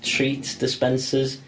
Treat dispensers.